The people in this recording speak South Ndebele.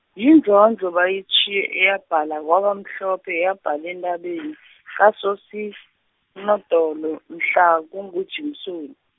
yindlondlo bayitjhiye eyabhala kwabamhlophe yabhal- eentabeni, zakoSinodolo, mhla, kunguJimsoni.